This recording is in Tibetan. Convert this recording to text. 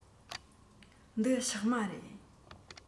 འདི ཕྱགས མ རེད